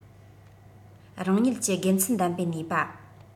རང ཉིད ཀྱི དགེ མཚན ལྡན པའི ནུས པ